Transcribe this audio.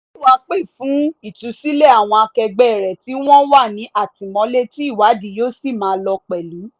Ó sì wá pè fún ìtúsílẹ̀ àwọn akẹgbẹ́ rẹ̀ tí wọ́n wà ní àtìmọ́lé tí ìwádìí yóò sì máa lọ pẹ̀lú.